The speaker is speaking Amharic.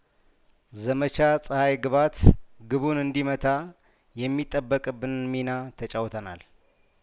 ዘመቻ ጸሀይ ግባት ግቡን እንዲመታ የሚጠበቅብንን ሚና ተጫውተናል